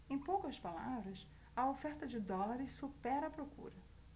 em poucas palavras a oferta de dólares supera a procura